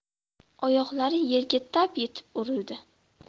oyoqlari yerga tap etib urildi